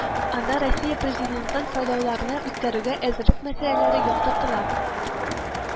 Анда Россия Президентын сайлауларны үткәрүгә әзерлек мәсьәләләре яктыртыла